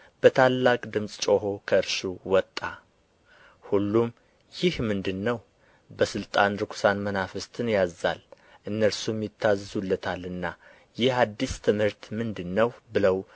በታላቅ ድምፅ ጮኾ ከእርሱ ወጣ ሁሉም ይህ ምንድር ነው በሥልጣን ርኵሳን መናፍስትን ያዝዛል እነርሱም ይታዘዙለታልና ይህ አዲስ ትምህርት ምንድር ነው ብለው